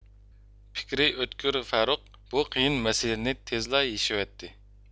پىكرى ئۆتكۈر فەرۇق بۇ قىيىن مەسىلىنى تېزلا يېشىۋەتتى